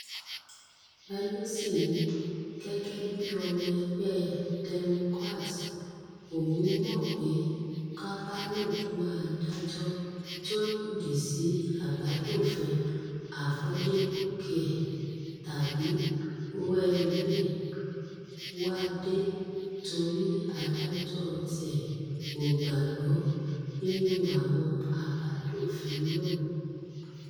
Pelosi ní gẹ́gẹ́ bí ọmọ ẹgbẹ́ Democrat òun mọ pé Kavanaugh máa dájọ́ tó lọdì sí Àbádòfin Affordable Care tabí Roe V. Wade torí adájọ tiẹ̀ ‘ò gbàgbọ́ nínú àwọn abádòfin náà.